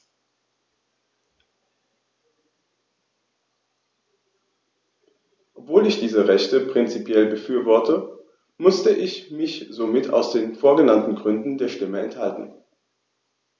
Obwohl ich diese Rechte prinzipiell befürworte, musste ich mich somit aus den vorgenannten Gründen der Stimme enthalten.